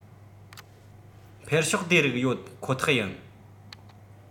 འཕེལ ཕྱོགས དེ རིགས ཡོད ཁོ ཐག ཡིན